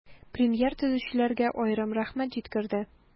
Премьер төзүчеләргә аерым рәхмәт җиткерде.